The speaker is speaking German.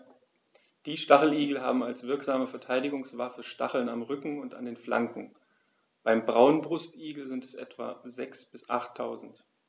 Die Stacheligel haben als wirksame Verteidigungswaffe Stacheln am Rücken und an den Flanken (beim Braunbrustigel sind es etwa sechs- bis achttausend).